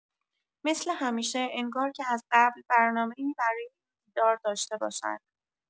مثل همیشه، انگار که از قبل برنامه‌ای برای این دیدار داشته باشد.